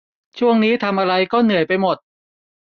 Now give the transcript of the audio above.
ช่วงนี้ทำอะไรก็เหนื่อยไปหมด